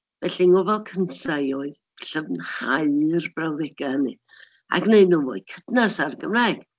Felly, ngofal cynta i oedd llyfnhau'r brawddegau hynny, a gwneud nhw'n fwy cydnaws â'r Gymraeg.